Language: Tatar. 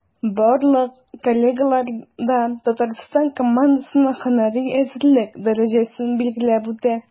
Барлык коллегалар да Татарстан командасының һөнәри әзерлек дәрәҗәсен билгеләп үтә.